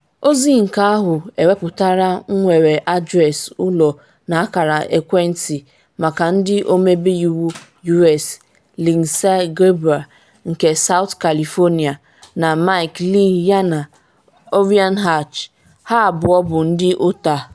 Ozi nke ahụ ewepụtara nwere adreesị ụlọ na akara ekwentị maka Ndị Ọmebe Iwu U.S Lindsey Graham nke South Carolina, na Mike Lee yana Orrin Hatch, ha abụọ bụ ndị Utah.